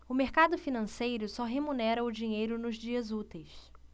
o mercado financeiro só remunera o dinheiro nos dias úteis